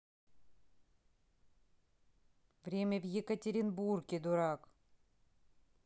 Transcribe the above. время в екатеринбурге дурак